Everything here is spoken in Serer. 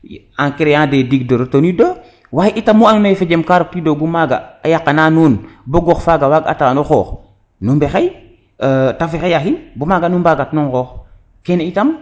en creant des dig de retenue d' eau waye itam mu ando naye fojem ka rokidogu maga a yaqa na nuun bo gox faga waag atano xoox nu mbexey te fexey a xin bo maga nu mbagat no ngoox kene itam